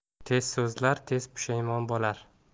tez so'zlar tez pushaymon bo'lar